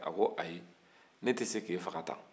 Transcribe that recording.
a ko ayi ne tɛ se k'e faga tan